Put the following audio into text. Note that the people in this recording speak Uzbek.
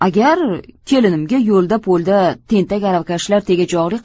agar kelinimga yo'lda po'lda tentak aravakashlar tegajog'lik qiladi